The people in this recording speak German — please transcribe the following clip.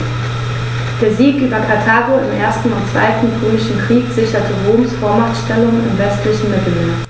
Der Sieg über Karthago im 1. und 2. Punischen Krieg sicherte Roms Vormachtstellung im westlichen Mittelmeer.